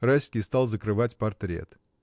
Райский стал закрывать портрет.